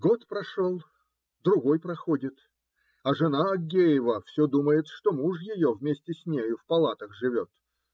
Год прошел, другой проходит, а жена Аггеева все думает, что муж ее вместе с нею в палатах живет.